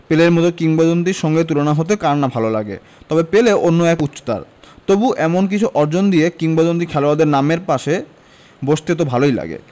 পেলের মতো কিংবদন্তির সঙ্গে তুলনা হতে কার না ভালো লাগে তবে পেলে অন্য এক উচ্চতার তবু এমন কিছু অর্জন দিয়ে কিংবদন্তি খেলোয়াড়দের নামের পাশে বসতে তো ভালোই লাগে